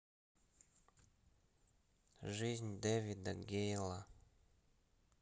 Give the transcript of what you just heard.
жизнь дэвида гейла